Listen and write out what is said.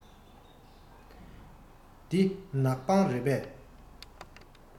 འདི ནག པང རེད པས